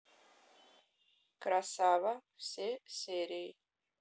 красава все серии